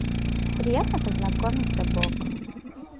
приятно познакомиться бог